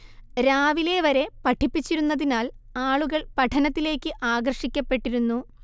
രാവിലെ വരെ പഠിപ്പിച്ചിരുന്നതിനാൽ ആളുകൾ പഠനത്തിലേക്ക് ആകർഷിക്കപ്പെട്ടിരുന്നു